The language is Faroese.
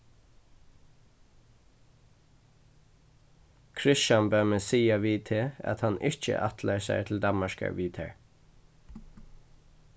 kristian bað meg siga við teg at hann ikki ætlar sær til danmarkar við tær